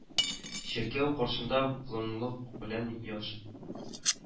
Чиркәү каршында болынлык белән яш